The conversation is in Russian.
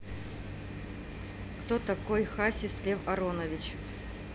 кто такой хасис лев аронович